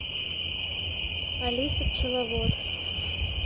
алиса пчеловод